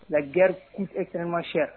La guerre coûte extrêmement chère .